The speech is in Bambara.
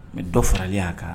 Mɛ dɔ faralen y'a kan